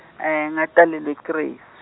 ngatalelwa eKresi.